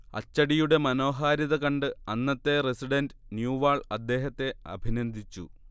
അച്ചടിയുടെ മനോഹാരിത കണ്ട് അന്നത്തെ റസിഡന്റ് നൂവാൾ അദ്ദേഹത്തെ അഭിനന്ദിച്ചു